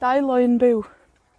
Dau loyn byw.